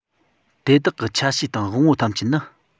དེ དག གི ཆ ཤས དང དབང པོ ཐམས ཅད ནི